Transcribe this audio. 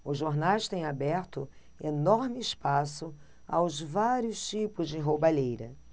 os jornais têm aberto enorme espaço aos vários tipos de roubalheira